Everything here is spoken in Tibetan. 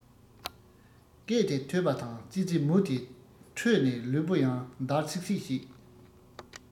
སྐད དེ ཐོས པ དང ཙི ཙི མོ དེ ཁྲོས ནས ལུས པོ ཡང འདར སིག སིག བྱེད